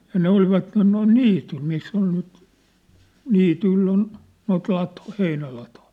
ja ne olivat noin niityillä missä oli nyt niityillä on noita latoja heinälatoja